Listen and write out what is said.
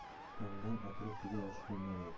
tomdan atrof juda yaxshi ko'rinar edi